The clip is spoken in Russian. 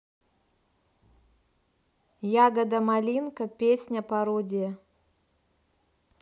ягода малинка песня пародия